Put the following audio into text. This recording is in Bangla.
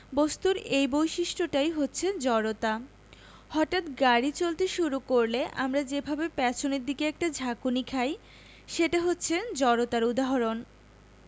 বস্তুর এই বৈশিষ্ট্যটাই হচ্ছে জড়তা হঠাৎ গাড়ি চলতে শুরু করলে আমরা যেভাবে পেছনের দিকে একটা ঝাঁকুনি খাই সেটা হচ্ছে জড়তার উদাহরণ